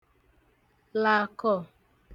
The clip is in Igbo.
làkọ̀